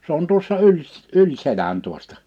se on tuossa yli - yli selän tuosta